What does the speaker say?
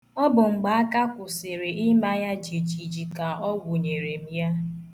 Ọ bụ mgbe aka kwụsịrị ịma ya jijiji ka ọ wunyere m ya.